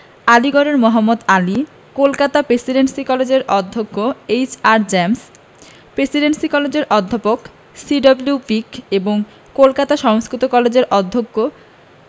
আলীগড়ের Mohammad Ali Kolkata Presidency কলেজের অধ্যক্ষ H R James Presidency কলেজের অধ্যাপক সি.ডব্লিউ পিক এবং কলকাতা সংস্কৃত কলেজের অধ্যক্ষ